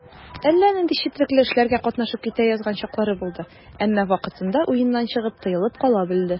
Әллә нинди четрекле эшләргә катнашып китә язган чаклары булды, әмма вакытында уеннан чыгып, тыелып кала белде.